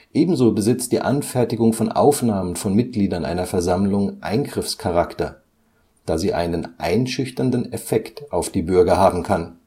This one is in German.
Ebenso besitzt die Anfertigung von Aufnahmen von Mitgliedern einer Versammlung Eingriffscharakter, da sie einen einschüchternden Effekt auf die Bürger haben kann